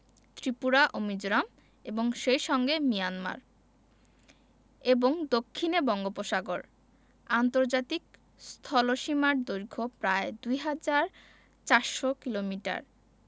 ত্রিপুরা ও মিজোরাম এবং সেই সঙ্গে মায়ানমার এবং দক্ষিণে বঙ্গোপসাগর আন্তর্জাতিক স্থলসীমার দৈর্ঘ্য প্রায় ২হাজার ৪০০ কিলোমিটার